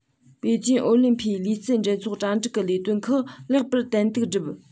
པེ ཅིན ཨོ ལིན ཕིག ལུས རྩལ འགྲན ཚོགས གྲ སྒྲིག གི ལས དོན ཁག ལེགས པར ཏན ཏིག བསྒྲུབས